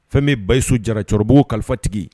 Fɛn bɛ bayiso jara cɛkɔrɔbabugu kalifatigi